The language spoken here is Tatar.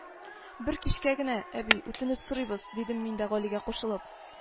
- бер кичкә генә, әби, үтенеп сорыйбыз, - дидем мин дә галигә кушылып